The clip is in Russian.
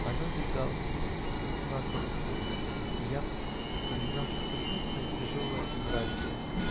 Она заиграла Патетическую сонату Бетховена, и я вспоминал что-то грустное, тяжелое и мрачное.